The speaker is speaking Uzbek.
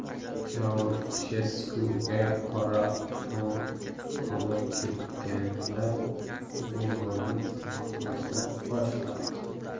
chausheskuga qora non olib kelishganida u bu nonni iste'mol qilishdan bosh tortdi